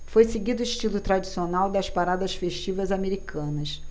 foi seguido o estilo tradicional das paradas festivas americanas